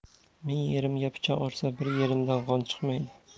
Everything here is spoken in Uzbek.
ming yerimga pichoq ursa bir yerimdan qon chiqmaydi